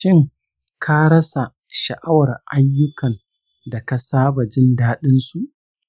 shin ka rasa sha’awar ayyukan da ka saba jin daɗinsu?